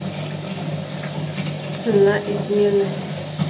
цена измены